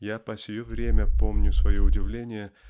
Я по сие время помню свое удивление